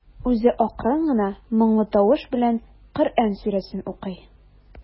Үзе акрын гына, моңлы тавыш белән Коръән сүрәсен укый.